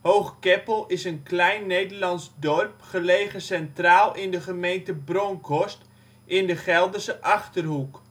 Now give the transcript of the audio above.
Hoog-Keppel is een klein Nederlands dorp gelegen centraal in de gemeente Bronckhorst in de Gelderse Achterhoek.